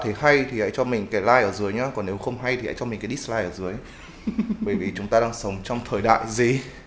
thấy hay thì cho mình cái like ở dưới nhé còn nếu k hay thì cho mik cái dislike ở dưới ừ haha bởi vì chúng ta đag sống trong thời đại gì